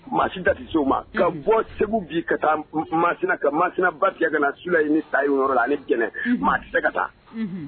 Maa si da tɛ se ma ka bɔ segu bi ka taa masina ka masina ba tigɛ ka sula ɲini ni sa ye yɔrɔ la ani jɛnɛ maa tɛ se ka taa